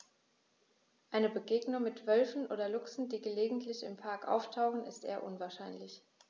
Eine Begegnung mit Wölfen oder Luchsen, die gelegentlich im Park auftauchen, ist eher unwahrscheinlich.